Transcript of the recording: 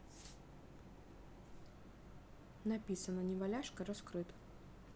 написано неваляшка раскрыт